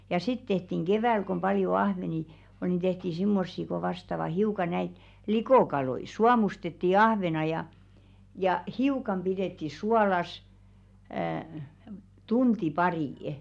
ja sitten tehtiin keväällä kun paljon ahvenia oli niin tehtiin semmoisia kun vastaavat hiukan näitä likokaloja suomustettiin ahven ja ja hiukan pidettiin suolassa - tunti pari